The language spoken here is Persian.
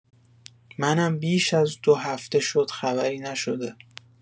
منم بیش از دو هفته شد خبری نشده